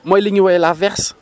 mooy li ñuy woowee la verse